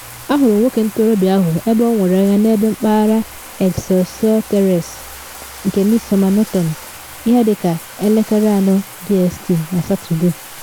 Ahụrụ nwoke ntorobịa ahụ ebe ọ nwere ọnya n’ebe mpaghara Excelsior Terrace nke Midsomer Norton, ihe dị ka 04:00 BST na Satode.